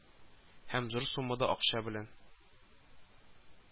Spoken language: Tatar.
Һәм зур суммада акча белән